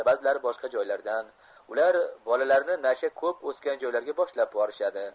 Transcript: ba'zilari boshqa joylardan ular bolalarni nasha ko'p o'sgan joylarga boshlab borishadi